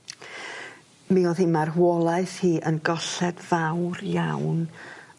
Mi o'dd 'i marwholaeth hi yn golled fawr iawn